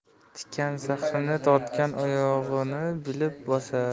tikan zahrini tortgan oyog'ini bilib bosar